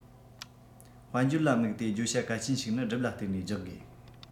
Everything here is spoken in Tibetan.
དཔལ འབྱོར ལ དམིགས ཏེ བརྗོད བྱ གལ ཆེན ཞིག ནི སྒྲུབ ལ བརྟེན ནས རྒྱག དགོས